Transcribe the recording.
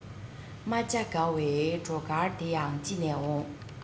རྨ བྱ དགའ བའི བྲོ གར དེ ཡང ཅི ནས འོང